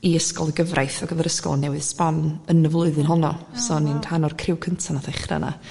i Ysgol y Gyfraith ag o'dd yr ysgol newydd sbon yn y flwyddyn honno so o'n i'n ran o'r criw cynta nath ddechra 'na